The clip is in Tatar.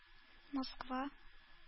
Москва